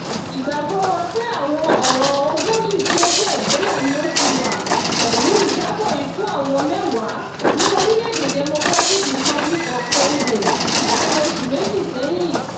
Ìgbàgbọ́ wà pé àwọn ọ̀ràn 40 tí ó jẹ́ tí ebola ni ó ti wà, pẹ̀lú ìjábọ̀ ikú àwọn mẹ́wàá ní orílẹ̀ èdè Democratic Republic of Congo láàárín oṣù méjì sẹ́yìn.